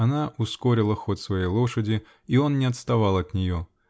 Она ускорила ход своей лошади -- и он не отставал от нее.